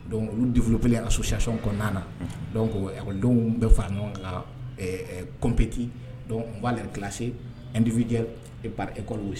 Dɔnku olu defip ka sosicɔn kɔnɔna na ko denw bɛ fara ɲɔgɔn ka kɔnmpti b'a yɛrɛ kilase ndifijɛ eoluse